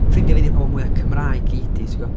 Ffrindiau fi 'di'r pobol mwya Cymraeg gei di, tibod?